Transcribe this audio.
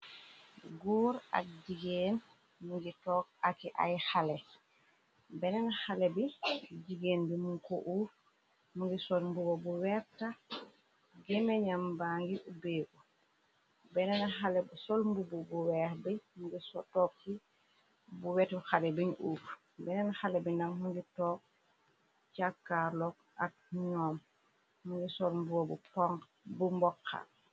Góor ak jigéen mingi toog aki ay xale beneen xale bi jigéen bi mu ko uuf mungi sol mbubo bu werta géne ñamba ngi ubbeegu bsolmbubo bu weex bi mungi toog ci bu wetu xale biñ uug beneen xale bi ndak mingi toog càkkaarloog ak ñoom mungi solmbuo bbu mbokxa.